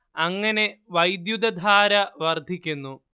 അങ്ങനെ വൈദ്യുതധാര വർദ്ധിക്കുന്നു